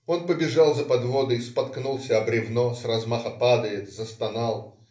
Он побежал за подводой, споткнулся о бревно, с размаха падает, застонал.